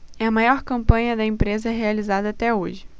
é a maior campanha da empresa realizada até hoje